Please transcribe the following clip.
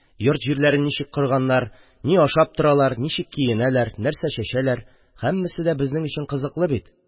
Йорт-җирләрен ничек корганнар, ни ашап торалар, ничек киенәләр, нәрсә чәчәләр – һәммәсе дә безнең өчен кызыклы бит.